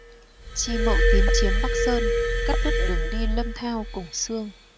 chi mậu tiến chiếm bắc sơn cắt đứt đường đi lâm thao củng xương